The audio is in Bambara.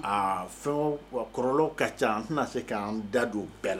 Aa fɛn o kɔrɔ ka ca an tɛna se k'an da don bɛɛ la